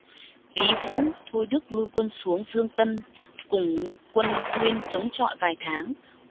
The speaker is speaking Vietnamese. lý vũ thôi đức lui quân xuống dương tân cùng quân nguyên chống chọi vài tháng